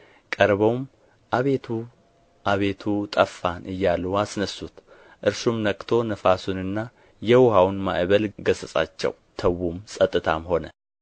ቀርበውም አቤቱ አቤቱ ጠፋን እያሉ አስነሡት እርሱም ነቅቶ ነፋሱንና የውኃውን ማዕበል ገሠጻቸው ተዉም ጽጥታም ሆነ